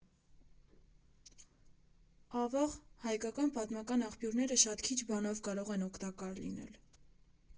Ավաղ, հայկական պատմական աղբյուրները շատ քիչ բանով կարող են օգտակար լինել։